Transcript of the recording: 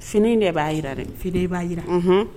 Fini de b'a jira dɛ fide b'a jira